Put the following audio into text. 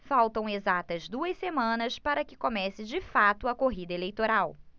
faltam exatas duas semanas para que comece de fato a corrida eleitoral